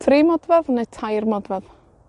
tri modfadd ne' tair modfadd?